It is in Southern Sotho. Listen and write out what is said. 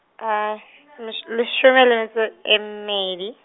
lesh- leshome le metso, e mmedi.